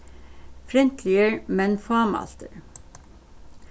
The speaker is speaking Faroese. fryntligir men fámæltir